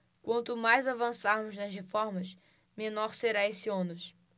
quanto mais avançarmos nas reformas menor será esse ônus